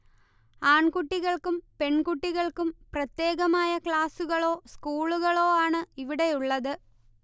ആൺകുട്ടികൾക്കും പെൺകുട്ടികൾക്കും പ്രത്യേകമായ ക്ലാസുകളോ സ്കൂളുകളോ ആണ് ഇവിടെയുള്ളത്